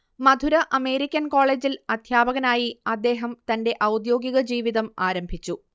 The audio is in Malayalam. മധുര അമേരിക്കൻ കോളെജിൽ അദ്ധ്യാപകനായി അദ്ദേഹം തന്റെ ഔദ്യോഗിക ജീവിതം ആരംഭിച്ചു